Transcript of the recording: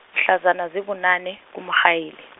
mhlazana zibunane, kuMrhayili.